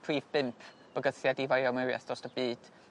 prif bump bygythiad i fioamrywiaeth drost y byd.